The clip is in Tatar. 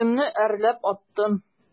Үземне әрләп аттым.